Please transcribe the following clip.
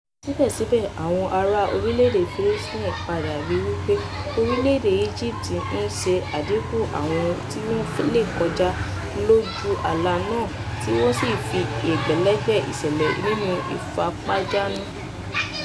Síbẹ̀síbẹ̀, àwọn ará orílẹ̀-èdè Palestine padà ríi wípé orílẹ̀-èdè Egypt ń ṣe àdínkù àwọn tí wọ́n le kọjá lójú àlà náà, tí wọ́n sì fi àwọn ẹgbẹ̀lẹ́gbẹ̀ sílẹ̀ nínú ìfapájánú.